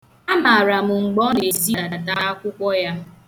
Amara m mgbe ọ na-ezidata akwụwọ ya.